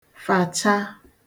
fàcha